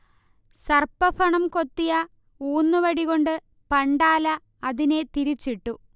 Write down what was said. സർപ്പഫണം കൊത്തിയ ഊന്നുവടികൊണ്ട് പണ്ടാല അതിനെ തിരിച്ചിട്ടു